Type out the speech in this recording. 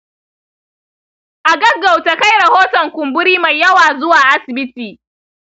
a gaggauta kai rahoton kumburi mai yawa zuwa asibiti.